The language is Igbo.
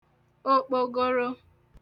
okpogoro